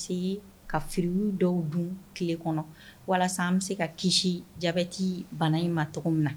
Se ka filiw dɔw dun tile kɔnɔ walasa an bɛ se ka kisi jati bana in ma tɔgɔ min na